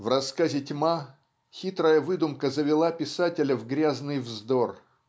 В рассказе "Тьма" хитрая выдумка завела писателя в грязный вздор.